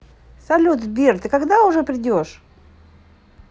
салют сбер ты когда уже придешь